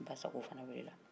basago fɛnɛ welela